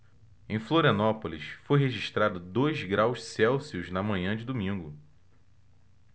em florianópolis foi registrado dois graus celsius na manhã de domingo